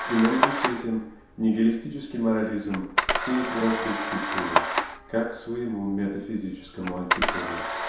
и наряду с этим нигилистический морализм сеет вражду к культуре как к своему метафизическому антиподу.